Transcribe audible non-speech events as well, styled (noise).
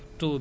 (hesitation) (hesitation)